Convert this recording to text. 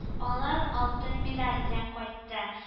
Алар алтын медаль белән кайтты